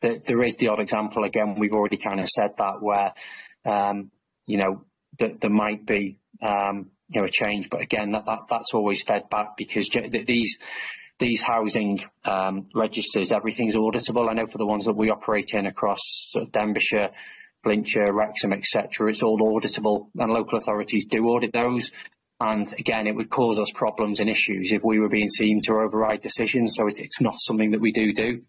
There is the odd example again, we've already kind of said that where um you know that there might be um you know a change but again that that's always fed back because j- these these housing um registers everything's auditable I know for the ones that we operate in across sort of Denbighshire, Flintshire, Wrexham et cetera it's all auditable and local authorities do audit those and again it would cause us problems and issues if we were being seen to override decisions so it's not something that we do do.